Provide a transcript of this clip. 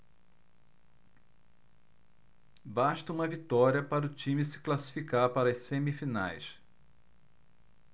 basta uma vitória para o time se classificar para as semifinais